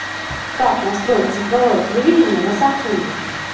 как настроить цифровое телевидение на самсунге